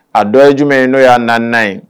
A dɔ ye jumɛn ye n'o y'a 4 nan ye